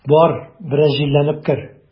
Бар, бераз җилләнеп кер.